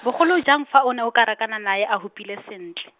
bogolo jang fa o ne o ka rakana nae a hupile sentle.